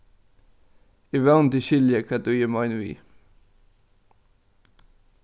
eg vóni tit skilja hvat ið eg meini við